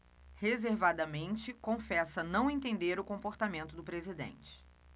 reservadamente confessa não entender o comportamento do presidente